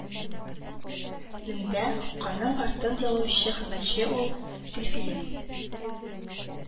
Лендә хуќаның артын ялаучы хезмәтче ул, гөлфия